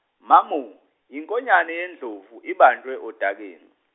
mamo yinkonyane yendlovu ibhajwe odakeni.